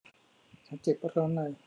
ฉันเจ็บร้อนใน